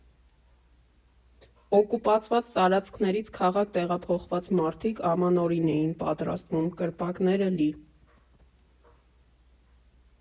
Օկուպացված տարածքներից քաղաք տեղափոխված մարդիկ Ամանորին էին պատրաստվում, կրպակները՝ լի։